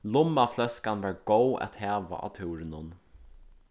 lummafløskan var góð at hava á túrinum